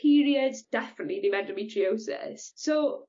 periods definly ddim endometriosis